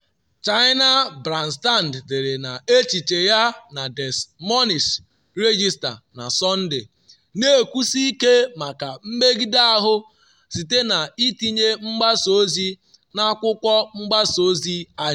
China, Branstad dere n’echiche ya na Des Moines Register na Sọnde, “na-ekwusi ike maka mmegide ahụ site na itinye mgbasa ozi n’akwụkwọ mgbasa ozi anyị.”